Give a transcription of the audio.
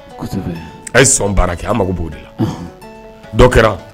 A ye sɔn baara kɛ a mako b'o de la dɔ kɛra